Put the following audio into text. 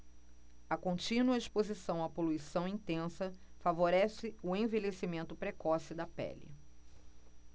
a contínua exposição à poluição intensa favorece o envelhecimento precoce da pele